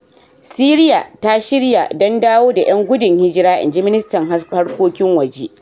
Siriya ta “shirya” don dawo da 'yan gudun hijira, in ji ministan harkokin waje